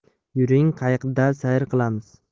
yuring qayiqda sayr qilamiz